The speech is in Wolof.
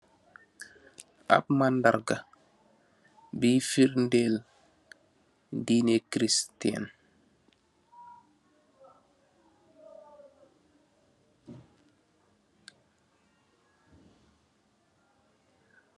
Ap mandarga be ferdel dineh cxristiyan.